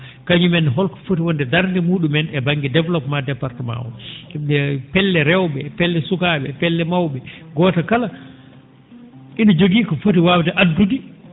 kañumen holko foti wonde darnde muu?umen e ba?nge développement département oo pelle rew?e e pelle sukaa?e e pelle maw?e gooto kala ina jogii ko foti waawde addude